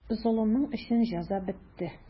Золымың өчен җәза бетте.